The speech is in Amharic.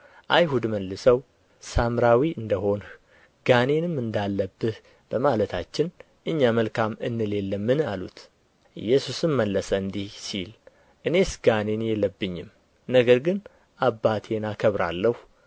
አይሁድ መልሰው ሳምራዊ እንደ ሆንህ ጋኔንም እንዳለብህ በማለታችን እኛ መልካም እንል የለምን አሉት ኢየሱስም መለሰ እንዲህ ሲል እኔስ ጋኔን የለብኝም ነገር ግን አባቴን አከብራለሁ